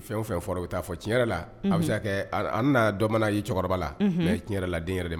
Fɛn o fɛn fɔlɔ bɛ taa fɔ ci yɛrɛ la a bɛ se' kɛ an dɔ y' cɛkɔrɔba la tiɲɛ yɛrɛ la den yɛrɛ de ma